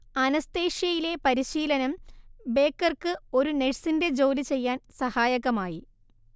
അനസ്തേഷ്യയിലെ പരിശീലനം ബേക്കർക്ക് ഒരു നഴ്‌സിന്റെ ജോലി ചെയ്യാൻ സഹായകമായി